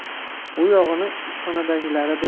u yog'ini ishxonadagilari